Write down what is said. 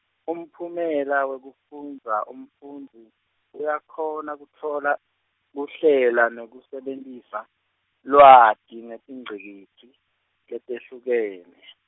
umphumela wekufundza umfundzi, uyakhona kutfola, kuhlela nekusebentisa, lwati ngetingcikitsi, letehlukene.